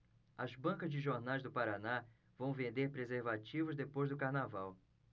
as bancas de jornais do paraná vão vender preservativos depois do carnaval